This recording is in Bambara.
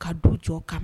Ka du jɔ kama